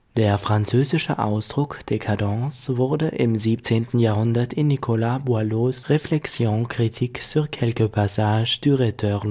Der französische Ausdruck décadence wurde im 17. Jahrhundert in Nicolas Boileaus Réflections critiques sur quelques passages du Rhéteur Longin